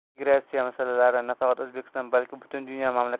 migratsiya masalalari nafaqat o'zbekiston balki butun dunyo